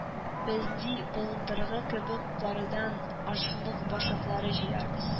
Без, ди, былтыргы кебек кардан ашлык башаклары җыярбыз